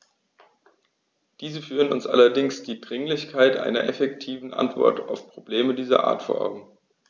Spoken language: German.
Diese führen uns allerdings die Dringlichkeit einer effektiven Antwort auf Probleme dieser Art vor Augen.